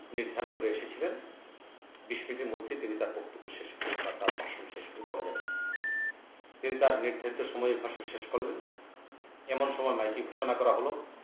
নির্ধারণ করে এসেছিলেন ২০ মিনিট এর মধ্যে তিনি তার বক্তব্য শেষ করে বা তার ভাষণ শেষ করে চলে যান তিনি তার নির্ধারিত সময় ভাষণ শেষ করলেন এমন সময় মাইকে ঘোষণা করা হল